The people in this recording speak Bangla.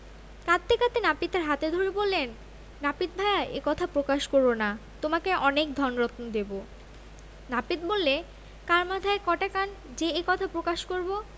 কাঁদতে কাঁদতে নাপিতের হাতে ধরে বললেন নাপিত ভায়া এ কথা প্রকাশ কর না তোমাকে অনেক ধনরত্ন দেব নাপিত বললে কার মাথায় কটা কান যে এ কথা প্রকাশ করব